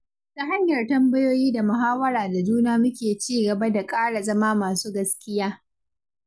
Ta hanyar tambayoyi da muhawara da juna muke ci gaba da ƙara zama masu gaskiya.